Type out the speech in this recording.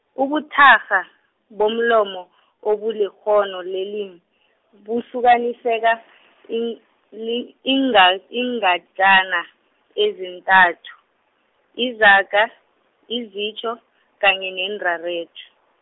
ubuthakgha, bomlomo, obulikghono lelimi, buhlukaniseka, ing- li- inga- ingatjana ezintathu, izaga, izitjho, kanye neenrarejo.